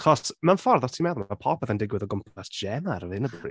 Achos mewn ffordd, os ti’n meddwl mae popeth yn digwydd o gwmpas Gemma ar hyn o bryd.